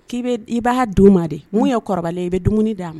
K'i i b'a denw ma de mun ye kɔrɔ i bɛ dumuni d'a ma